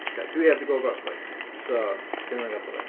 Ocê, dwi heb di gweld ghost chwaith, so lle ma' hwnna'n gadael fi?